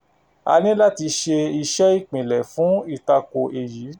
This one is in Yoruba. A ní láti ṣe iṣẹ́ ìpìlẹ̀ fún ìtako èyí.